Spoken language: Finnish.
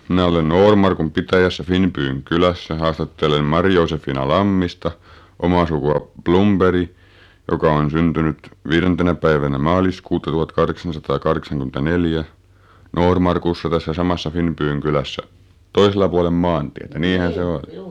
minä olen Noormarkun pitäjässä Finbyn kylässä haastattelen Mari Joosefiina Lammista omaa sukua Blomberg joka on syntynyt viidentenä päivänä maaliskuuta tuhatkahdeksansataakahdeksankymmentäneljä Noormarkussa tässä samassa Finbyn kylässä toisella puolen maantietä niinhän se on